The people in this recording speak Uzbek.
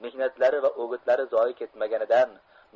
mehnatlari va o'gitlari zoe ketmaganidan